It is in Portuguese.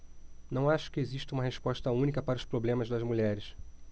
não acho que exista uma resposta única para os problemas das mulheres